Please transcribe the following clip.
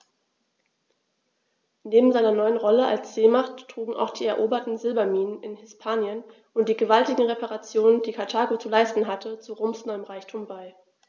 Neben seiner neuen Rolle als Seemacht trugen auch die eroberten Silberminen in Hispanien und die gewaltigen Reparationen, die Karthago zu leisten hatte, zu Roms neuem Reichtum bei.